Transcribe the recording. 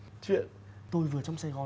chuyện tôi vừa trong sài gòn